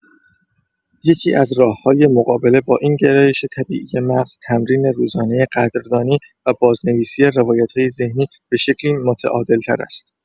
یکی‌از راه‌های مقابله با این گرایش طبیعی مغز، تمرین روزانۀ قدردانی و بازنویسی روایت‌های ذهنی به شکلی متعادل‌تر است.